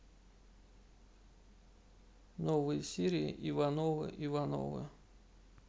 новые серии ивановы ивановы